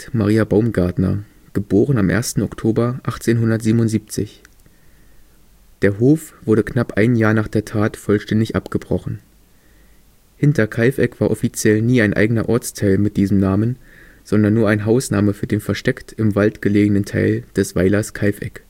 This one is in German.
Maria Baumgartner (* 1. Oktober 1877). Der Hof wurde knapp ein Jahr nach der Tat vollständig abgebrochen. Hinterkaifeck war offiziell nie ein eigener Ortsteil mit diesem Namen, sondern nur ein Hausname für den versteckt im Wald gelegenen Teil des Weilers Kaifeck